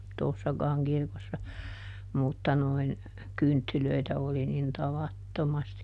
tuossakaan kirkossa mutta noin kynttilöitä oli niin tavattomasti